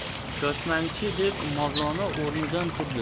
shoshmang chi deb mavlono o'rnidan turdi